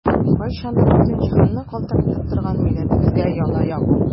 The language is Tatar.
Кайчандыр бөтен җиһанны калтыратып торган милләтебезгә яла ягу!